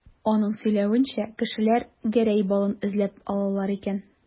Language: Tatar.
Аның сөйләвенчә, кешеләр Гәрәй балын эзләп алалар икән.